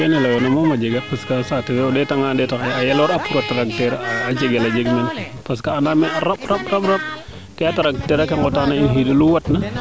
keene leyoona moom a jega parce que saate fe o ndeeta ngaan a yelopor a pour o tracteur a jeg meen parce que a ndaame a ramb ramb ke a tracteur ake ngota o xiido lu refna